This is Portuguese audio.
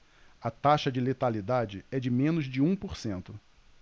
a taxa de letalidade é de menos de um por cento